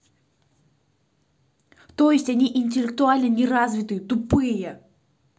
то есть они интеллектуально неразвитые тупые